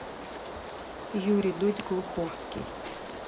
юрий дудь глуховский